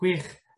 Gwych.